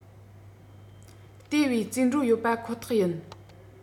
དེ བས རྩིས འགྲོ ཡོད པ ཁོ ཐག ཡིན